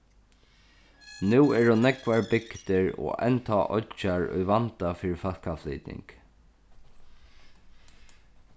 nú eru nógvar bygdir og enntá oyggjar í vanda fyri fólkaflyting